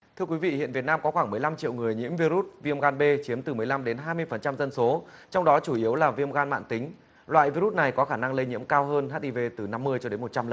thưa quý vị hiện việt nam có khoảng mười lăm triệu người nhiễm vi rút viêm gan bê chiếm từ mười lăm đến hai mươi phần trăm dân số trong đó chủ yếu là viêm gan mãn tính loại vi rú này có khả năng lây nhiễm cao hơn hiv từ năm mươi cho đến một trăm